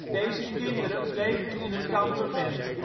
Deze kinderen bleven in het kampement